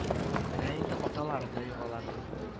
Менә инде аталары да юк аларның